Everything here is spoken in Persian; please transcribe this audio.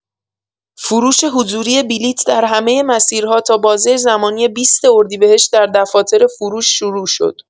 فروش حضوری بلیت در همه مسیرها تا بازه زمانی ۲۰ اردیبهشت در دفاتر فروش شروع شد.